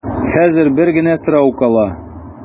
Хәзер бер генә сорау кала.